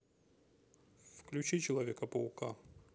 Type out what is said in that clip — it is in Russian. включи человека паука